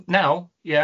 Naw', ie?